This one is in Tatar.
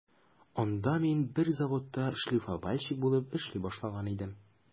Анда мин бер заводта шлифовальщик булып эшли башлаган идем.